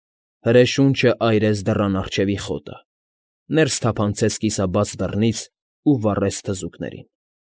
Հրե շունչը այրեց դռան առջևի խոտը, ներս թափանցեց կիսաբաց դռնից և վառեց թզուկներին։